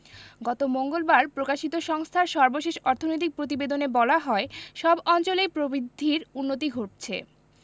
গত মঙ্গলবার প্রকাশিত সংস্থার সর্বশেষ অর্থনৈতিক প্রতিবেদনে বলা হয় সব অঞ্চলেই প্রবৃদ্ধির উন্নতি ঘটছে